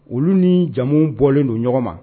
Olu ni jamu bɔlen don ɲɔgɔn ma